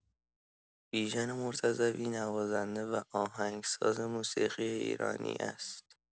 بیژن مرتضوی نوازنده و آهنگساز موسیقی ایرانی است.